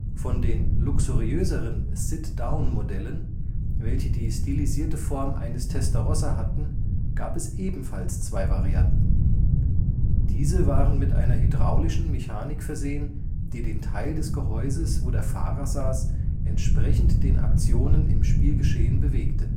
Von den luxuriöseren „ Sit-Down “- Modellen, welche die stilisierte Form eines Testarossa hatten, gab es ebenfalls zwei Varianten. Diese waren mit einer hydraulischen Mechanik versehen, die den Teil des Gehäuses, wo der Fahrer saß, entsprechend den Aktionen im Spielgeschehen bewegte